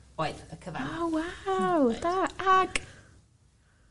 Oedd y cyfan. O waw da. Ag